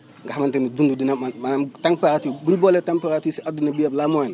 nga xamante ne dund dina maanaam température bi bu ñu boolee température si adduna bi yëpp la moyenne